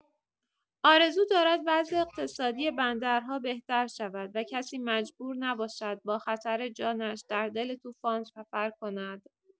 آرزو دارد وضع اقتصادی بندرها بهتر شود و کسی مجبور نباشد با خطر جانش در دل طوفان سفر کند.